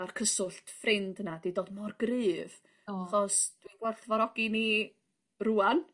a'r cyswllt ffrind yna 'di dod mor gryf do 'chos dw i'n gwerthfawrogi ni rŵan.